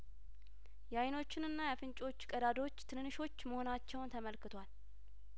የአይኖቹንና የአፍንጮች ቀዳዳዎች ትንንሾች መሆናቸውም ተመልክቷል